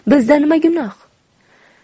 bizda nima gunoh debdi